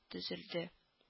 Төзелде